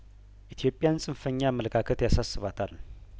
ኢትዮጵያን ጽንፈኛ አመለካከት ያሳስ ባታል